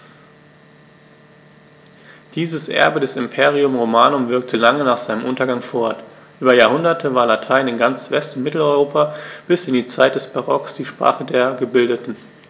Dieses Erbe des Imperium Romanum wirkte lange nach seinem Untergang fort: Über Jahrhunderte war Latein in ganz West- und Mitteleuropa bis in die Zeit des Barock die Sprache der Gebildeten.